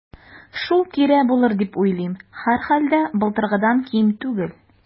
Шул тирә булыр дип уйлыйм, һәрхәлдә, былтыргыдан ким түгел.